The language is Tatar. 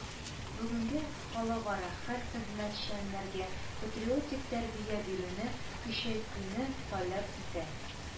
Бүгенгә халыкара хәл хезмәтчәнләргә патриотик тәрбия бирүне көчәйтүне таләп итә